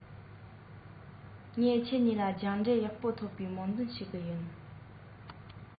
ཁྱིམ ཚང ཕྱུག པོ ཚོས རྒྱས སྤྲོས ལོངས སྤྱོད བྱེད པ ནི དོན མེད ཅོལ ཆུང ཙམ དུ བརྩི ཞིང